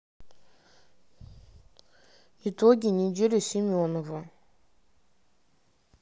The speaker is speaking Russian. итоги недели семенова